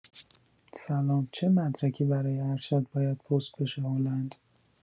سلام چه مدارکی برای ارشد باید پست بشه هلند؟